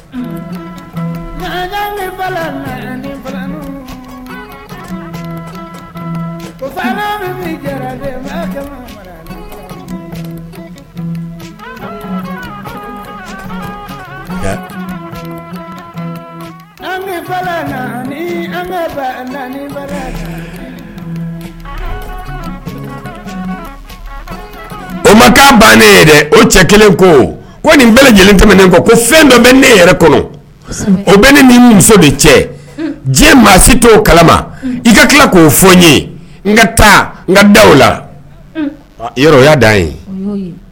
O ma ban ne o cɛ kelen ko ko nin bɛɛ lajɛlen tɛmɛnen ko fɛn dɔ bɛ ne yɛrɛ o bɛ ni ni muso ni cɛ diɲɛ maa si t o kala i ka tila k'o fɔ n ye n ka taa n ka da laya dan ye